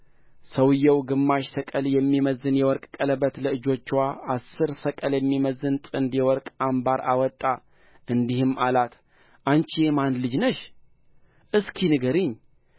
ሰውዮው ግማሽ ሰቅል የሚመዘን የወርቅ ቀለበት ለእጆችዋም አሥር ሰቅል የሚመዘን ጥንድ የወርቅ አምባር አወጣ እንዲህም አላት አንቺ የማን ልጅ ነሽ እስኪ ንገሪኝ